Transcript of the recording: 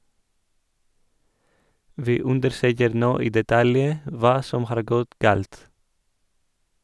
- Vi undersøker nå i detalj hva som har gått galt.